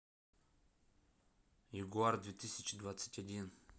ягуар две тысячи двадцать один